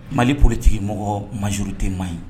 Mali ptigi mɔgɔ majuru tɛ ma ɲi